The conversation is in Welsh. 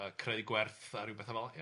...a creu gwerth a rw bethau fela. Ia.